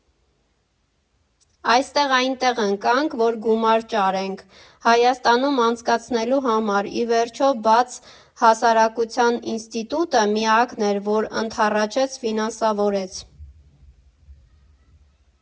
Այստեղ֊այնտեղ ընկանք, որ գումար ճարենք Հայաստանում անցկացնելու համար, ի վերջո՝ Բաց հասարակության ինստիտուտը միակն էր, որ ընդառաջեց՝ ֆինանսավորեց։